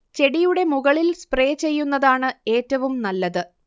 ചെടിയുടെ മുകളിൽ സ്പ്രേ ചെയ്യുന്നതാണ് ഏറ്റവും നല്ലത്